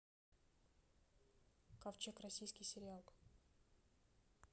ковчег российский сериал